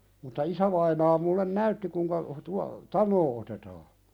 mutta isävainaa minulle näytti kuinka - tanoa otetaan